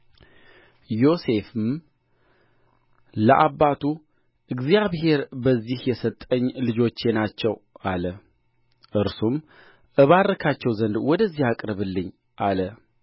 ዮሴፍም ለአባቱ እግዚአብሔር በዚህ የሰጠኝ ልጆቼ ናቸው አለ እርሱም እባርካቸው ዘንድ ወደዚህ አቅርብልኝ አለ